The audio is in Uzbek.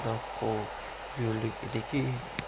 qadar qo'rqgulik ediki